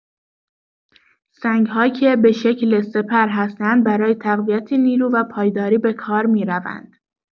سنگ‌ها که به شکل سپر هستند برای تقویت نیرو و پایداری به کار می‌روند.